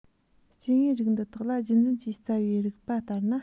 སྐྱེ དངོས རིགས འདི དག ལ རྒྱུད འཛིན གྱི རྩ བའི རིགས པ ལྟར ན